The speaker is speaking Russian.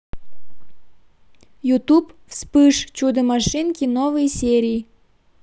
ютуб вспыш чудо машинки новые серии